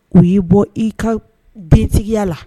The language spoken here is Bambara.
U y'i bɔ i ka dentigiya la